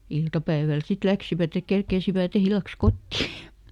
iltapäivällä sitten lähtivät että kerkeisivät illaksi kotiin